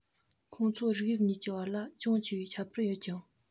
ཁོང ཚོ རིགས དབྱིབས གཉིས ཀྱི བར ལ ཅུང ཆེ བའི ཁྱད པར ཡོད ཅིང